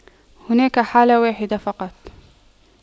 هناك حالة واحدة فقط